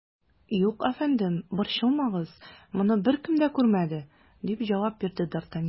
Юк, әфәндем, борчылмагыз, моны беркем дә күрмәде, - дип җавап бирде д ’ Артаньян.